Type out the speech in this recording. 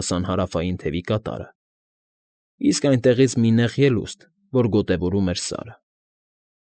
Հասան հարավային թևի կատարը, իսկ այնտեղից մի նեղ ելուստ, որ գոտևորում էր Սարը։